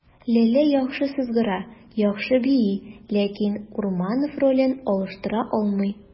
Ләлә яхшы сызгыра, яхшы бии, ләкин Урманов ролен алыштыра алмый.